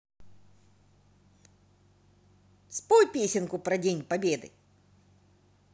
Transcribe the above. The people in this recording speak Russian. спой песенку про день победы